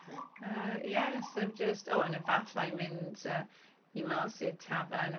Yy ie, so jyst... O, and efallai mynd yy i mas i'r tafarn efallai.